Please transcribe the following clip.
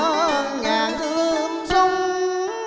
ơ